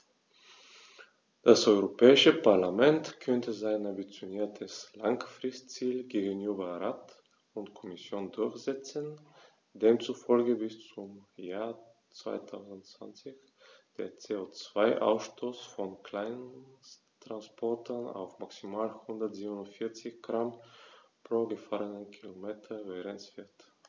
Das Europäische Parlament konnte sein ambitioniertes Langfristziel gegenüber Rat und Kommission durchsetzen, demzufolge bis zum Jahr 2020 der CO2-Ausstoß von Kleinsttransportern auf maximal 147 Gramm pro gefahrenem Kilometer begrenzt wird.